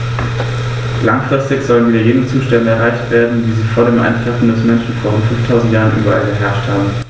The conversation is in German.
Langfristig sollen wieder jene Zustände erreicht werden, wie sie vor dem Eintreffen des Menschen vor rund 5000 Jahren überall geherrscht haben.